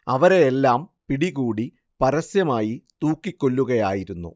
അവരെയെല്ലാം പിടികൂടി പരസ്യമായി തൂക്കിക്കൊല്ലുകയായിരുന്നു